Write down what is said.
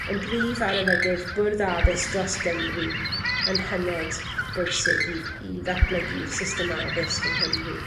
yn brif arolygydd Bwrdd Addysg dros Gymru yn hynod bwysig i i ddatblygu'r system addysg yng Nghymru.